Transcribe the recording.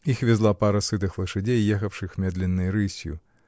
Их везла пара сытых лошадей, ехавших медленной рысью